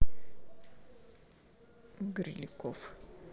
гриль коф